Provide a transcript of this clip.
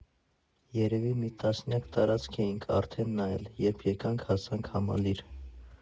Երևի մի տասնյակ տարածք էինք արդեն նայել, երբ եկանք հասանք Համալիր։